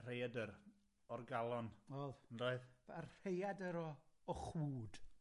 rheadyr o'r galon. Wel... Yndoedd? A rheadyr o o chwd.